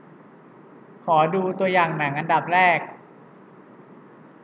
ขอดูตัวอย่างหนังอันดับแรก